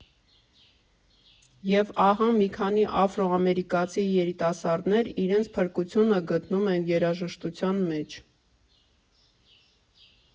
Եվ ահա մի քանի աֆրոամերիկացի երիտասարդներ իրենց փրկությունը գտնում են երաժշտության մեջ։